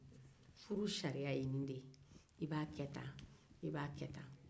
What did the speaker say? furu sariya ye nin de ye i b' a kɛ tan